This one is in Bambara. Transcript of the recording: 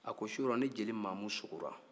a ko surɔ ne jeli maamu sugora